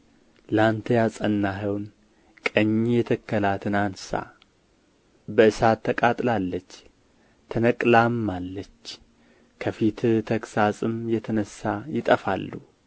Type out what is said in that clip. ለአንተ ያጸናኸውን ቀኝህ የተከላትን አንሣ በእሳት ተቃጥላለች ተነቅላማለች ከፊትህ ተግሣጽም የተነሣ ይጠፋሉ